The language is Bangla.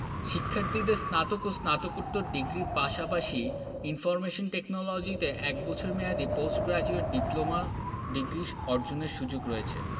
শিক্ষার্থীদের স্নাতক ও স্নাতকোত্তর ডিগ্রির পাশাপাশি ইনফরমেশন টেকনোলজিতে এক বছর মেয়াদি পোস্ট গ্রাজুয়েট ডিপ্লোমা ডিগ্রি অর্জনের সুযুগ রয়েছে